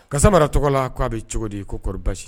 Kasa marara tɔgɔ la k' a bɛ cogo di koɔri basi